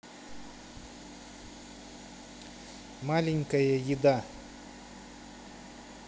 маленькая еда